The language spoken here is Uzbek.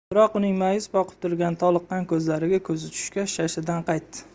biroq uning ma'yus boqib turgan toliqqan ko'zlariga ko'zi tushgach shashtidan qaytdi